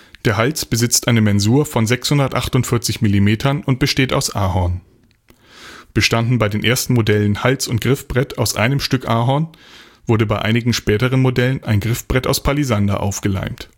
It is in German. Der Hals besitzt eine Mensur von 648 mm und besteht aus Ahorn. Bestanden bei den ersten Modellen Hals und Griffbrett aus einem Stück Ahorn, wurde bei einigen späteren Modellen ein Griffbrett aus Palisander aufgeleimt